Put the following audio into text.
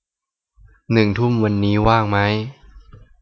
หนึ่งทุ่มวันนี้ว่างไหม